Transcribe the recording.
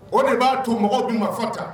O de b'a to mɔgɔw dun ma fa ta